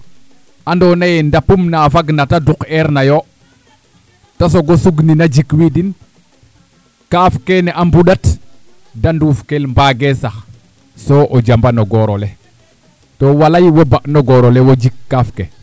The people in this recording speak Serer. andoona yee ndapum na fagna te dukeerna yoo ta soogo sugnin a jikwiidin kaaf kene a mbuɗat da nduufkel mbaagee sax soo o jamban o goor ole to waalay wo ba' no goor ole wo' jik kaaf ke